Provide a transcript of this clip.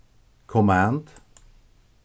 command